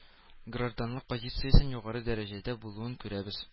Гражданлык позициясенең югары дәрәҗәдә булуын күрәбез